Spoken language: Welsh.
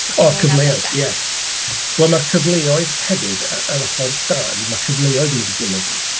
O'r cyfleoedd, ie. Wel ma'r cyfleoedd hefyd, yr ochr da, mae cyfleoedd yn mynd i gynyddu.